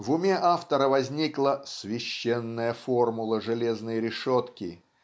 В уме автора возникла "священная формула железной решетки"